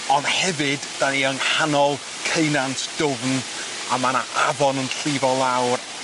on' hefyd 'dan ni yng nghanol ceunant dwfn a ma' 'na afon yn llifo lawr